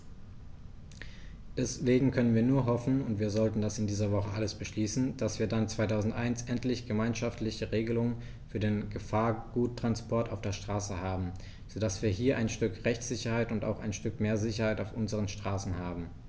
Deswegen können wir nur hoffen - und wir sollten das in dieser Woche alles beschließen -, dass wir dann 2001 endlich gemeinschaftliche Regelungen für den Gefahrguttransport auf der Straße haben, so dass wir hier ein Stück Rechtssicherheit und auch ein Stück mehr Sicherheit auf unseren Straßen haben.